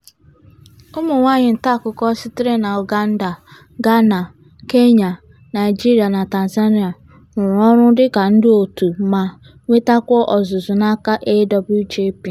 Ụmụ nwaanyị nta akụkọ sitere na Uganda, Gana, Kenya, Naijiria na Tanzania rụrụ ọrụ dịka ndị òtù ma nwetakwa ọzụzụ n'aka AWJP.